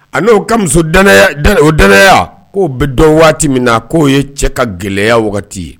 A n'o ka muso o danaya, k'o bɛ dɔn waati min na, k'o ye cɛ ka gɛlɛya waati ye